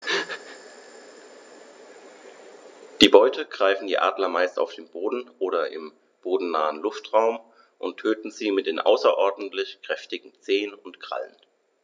Die Beute greifen die Adler meist auf dem Boden oder im bodennahen Luftraum und töten sie mit den außerordentlich kräftigen Zehen und Krallen.